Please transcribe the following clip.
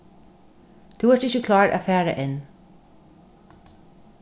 tú ert ikki klár at fara enn